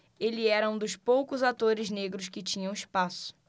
ele era um dos poucos atores negros que tinham espaço